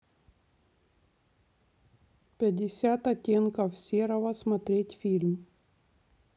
пятьдесят оттенков серого смотреть фильм